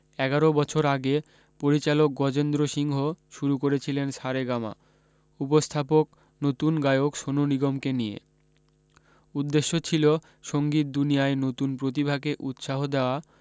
এগারো বছর আগে পরিচালক গজেন্দ্র সিংহ শুরু করেছিলেন সারেগামা উপস্থাপক নতুন গায়ক সোনু নিগমকে নিয়ে উদ্দেশ্য ছিল সঙ্গীত দুনিয়ায় নতুন প্রতিভাকে উৎসাহ দেওয়া